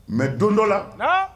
Mɛ don dɔ la